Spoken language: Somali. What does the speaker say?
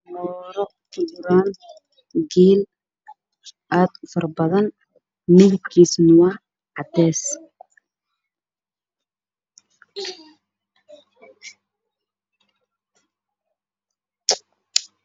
Waxa meesha marayo geel